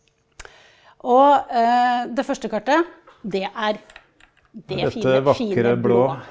og det første kartet det er det fine, fine blå.